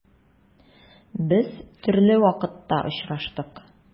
Без төрле вакытта очраштык.